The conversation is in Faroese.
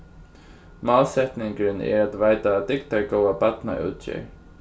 málsetningurin er at veita dygdargóða barnaútgerð